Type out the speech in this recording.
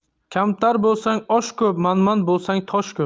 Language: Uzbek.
kamtar bo'lsang osh ko'p manman bo'lsang tosh ko'p